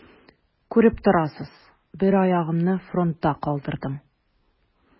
Күреп торасыз: бер аягымны фронтта калдырдым.